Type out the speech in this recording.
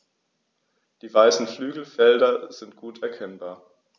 Die weißen Flügelfelder sind gut erkennbar.